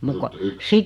te asutte yksin